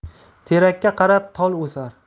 terakka qarab tol o'sar